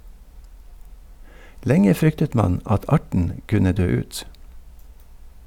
Lenge fryktet man at arten kunne dø ut.